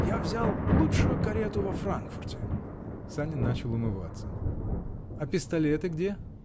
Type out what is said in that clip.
Я взял лучшую карету во Франкфурте! Санин начал умываться. -- А пистолеты где?